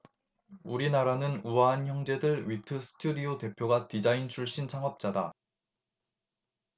우리나라는 우아한형제들 위트 스튜디오 대표가 디자인 출신 창업자다